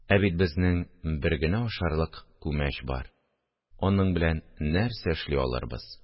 Ә бит безнең бер генә ашарлык күмәч бар, аның белән нәрсә эшли алырбыз